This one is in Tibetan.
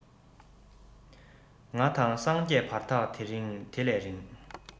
ང དང སངས རྒྱས བར ཐག དེ ལས རིང